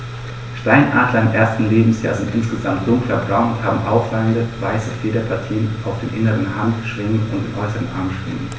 Steinadler im ersten Lebensjahr sind insgesamt dunkler braun und haben auffallende, weiße Federpartien auf den inneren Handschwingen und den äußeren Armschwingen.